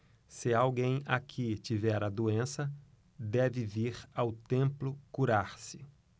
se alguém aqui tiver a doença deve vir ao templo curar-se